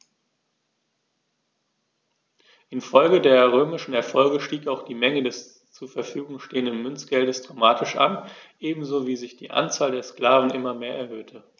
Infolge der römischen Erfolge stieg auch die Menge des zur Verfügung stehenden Münzgeldes dramatisch an, ebenso wie sich die Anzahl der Sklaven immer mehr erhöhte.